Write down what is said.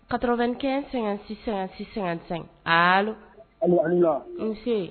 Katokɛ sɛgɛn-sɛ-sɛ sɛgɛn ali nse